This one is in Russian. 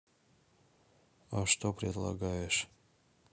а что предлагаешь